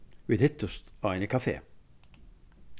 vit hittust á eini kafe